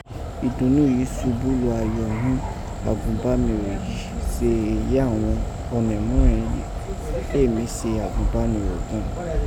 Idunnó̩ yìí subu lù ayọ ghún agunbanirọ yii re si eyi awọn ọnọ̀múrẹ̀n yìí éè mi se agunbanirọ gan…...